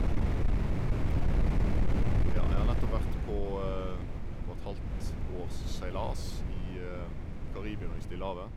Ja, jeg har nettopp vært på på et halvt års seilas i i Karibien og i Stillehavet.